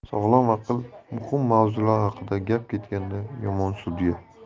sog'lom aql muhim mavzular haqida gap ketganda yomon sudya